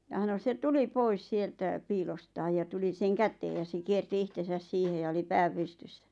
ja sanoi se tuli pois sieltä piilostaan ja tuli sen käteen ja se kiersi itsensä siihen ja oli pää pystyssä